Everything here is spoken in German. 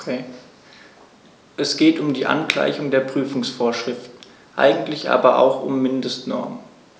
Es geht um die Angleichung der Prüfungsvorschriften, eigentlich aber auch um Mindestnormen.